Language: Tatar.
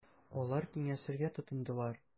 Алар киңәшергә тотындылар.